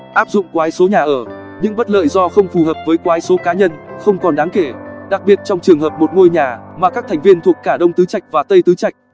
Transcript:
áp dụng quái số nhà ở những bất lợi do không phù hợp với quái số cá nhân không còn đáng kể đặc biệt trong trường hợp một ngôi nhà mà các thành viên thuộc cả đông tứ trạch và tây tứ trạch